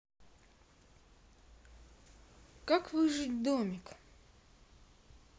как выжить домик